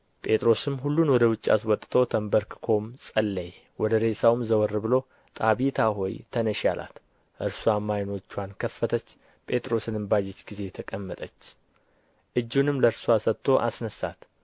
ጴጥሮስም ሁሉን ወደ ውጭ አስወጥቶ ተንበርክኮም ጸለየ ወደ ሬሳውም ዘወር ብሎ ጣቢታ ሆይ ተነሺ አላት እርስዋም ዓይኖችዋን ከፈተች ጴጥሮስንም ባየች ጊዜ ተቀመጠች እጁንም ለእርስዋ ሰጥቶ አስነሣት